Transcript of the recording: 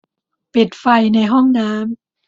ปิดไฟในห้องน้ำ